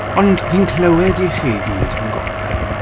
Ond fi'n clywed i chi gyd yn gofyn...